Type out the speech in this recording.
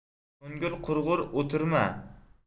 ko'ngil qurg'ur o'tirma